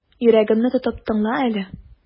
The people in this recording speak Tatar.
Йөрәгемне тотып тыңла әле.